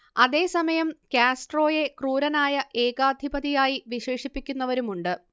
അതേ സമയം കാസ്ട്രോയെ ക്രൂരനായ ഏകാധിപതിയായി വിശേഷിപ്പിക്കുന്നവരുമുണ്ട്